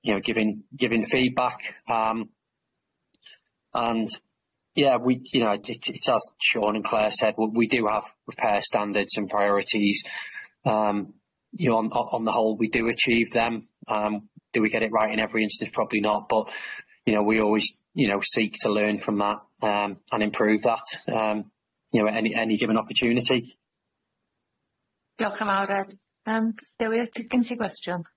you know givin' givin' feedback um and yeah we you know it it's as Shaun and Clare said, we do have repair standards and priorities um you know on on the whole we do achieve them um. Do we get it right in every instance probably not but you know we always you know seek to learn from that um and improve that um you know any any given opportunity. Dioch yn fawr Ed, Dewi odd gen ti gwestiwn?